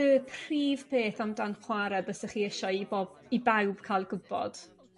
y prif peth am dan chwar'e bysech chi isio i bob- i bawb ca'l gw'bod?